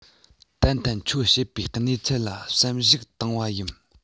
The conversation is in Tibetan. ཏན ཏན ཁྱོད བཤད པའི གནས ཚུལ ལ བསམ གཞིགས བཏང བ ཡིན